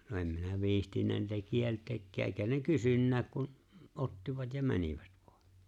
no en minä viitsinyt niitä kieltääkään eikä ne kysynytkään kun ottivat ja menivät vain